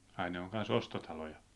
ai ne on kanssa ostotaloja